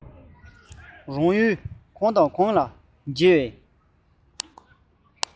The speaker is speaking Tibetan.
རང ཡུལ གང དང གང ཞིག ལ འཇལ བའི སྐབས